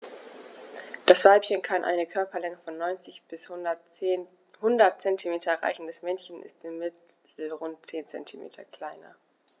Das Weibchen kann eine Körperlänge von 90-100 cm erreichen; das Männchen ist im Mittel rund 10 cm kleiner.